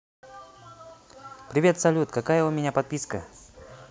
привет салют какая у меня подписка